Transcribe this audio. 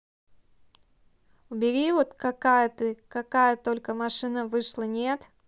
убери вот какая ты такая только машина вышла нет